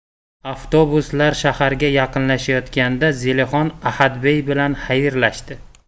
avtobuslar shaharga yaqinlashayotganda zelixon ahadbey bilan xayrlashdi